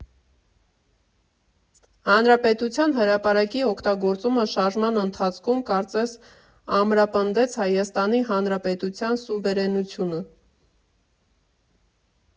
Հանրապետության հրապարակի օգտագործումը շարժման ընթացքում կարծես ամրապնդեց Հայաստանի Հանրապետության սուվերենությունը։